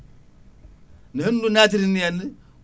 no hendudu natirini henna